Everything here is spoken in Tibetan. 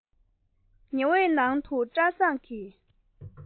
ཉི འོད ནང དུ བཀྲ བཟང གིས